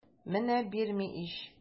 Менә бирми ич!